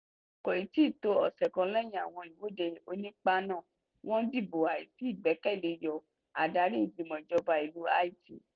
Kò tíì tó ọ̀sẹ̀ kan lẹ́yìn àwọn ìwọ́de onípá náà, wọ́n dìbò àìsí ìgbẹ̀kẹ̀lẹ́ yọ Adarí Ìgbìmọ̀ Ìjọba ìlú Haiti.